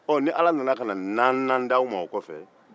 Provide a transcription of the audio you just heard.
ɔ ni ala nana ka naaninan di aw man